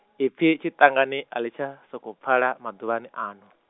ipfi tshiṱangani a ḽi tsha sokou pfala maḓuvhani ano.